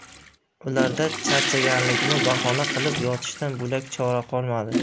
ularda charchaganlikni bahona qilib yotishdan bo'lak chora qolmadi